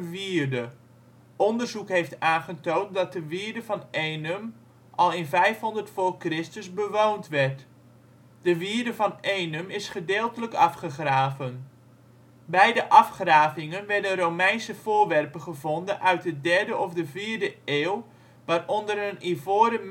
wierde. Onderzoek heeft aangetoond dat de wierde van Eenum al in 500 v.Chr. bewoond werd. De wierde van Eenum is gedeeltelijk afgegraven. Bij de afgravingen werden Romeinse voorwerpen gevonden uit de derde of de vierde eeuw, waaronder een ivoren mesheft